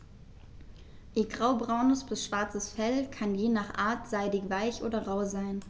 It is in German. Ihr graubraunes bis schwarzes Fell kann je nach Art seidig-weich oder rau sein.